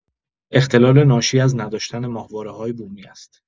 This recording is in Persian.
اختلال ناشی از نداشتن ماهواره‌های بومی است.